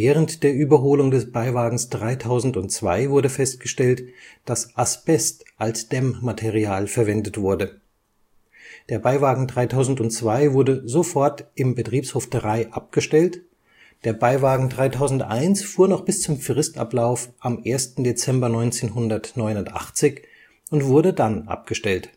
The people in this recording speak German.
Während der Überholung des Beiwagens 3002 wurde festgestellt, dass Asbest als Dämmmaterial verwendet wurde. Der Beiwagen 3002 wurde sofort im Betriebshof 3 abgestellt, der Beiwagen 3001 fuhr noch bis zum Fristablauf am 1. Dezember 1989 und wurde dann abgestellt